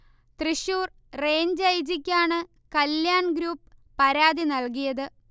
Thrissur range I. ജിക്കാണ് Kalyan group പരാതി നൽകിയത്